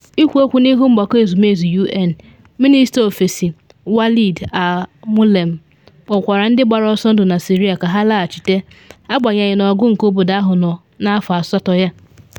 Ikwu okwu n’ihu Mgbakọ Ezumezu UN, Minista Ofesi Walid al-Moualem kpọkwara ndị gbara ọsọ ndụ na Syria ka ha laghachite, agbanyeghị na ọgụ nke obodo ahụ nọ n’afọ asatọ ya.